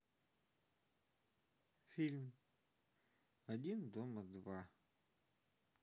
фильм один дома два